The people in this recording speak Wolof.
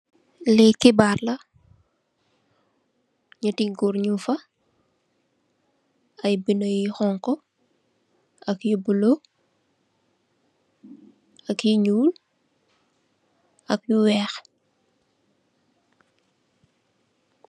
Li xibaar la neeti goor nyung fa ay binda yu xonxa ak yu bulu ak yu ñuul ak yu weex.